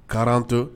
40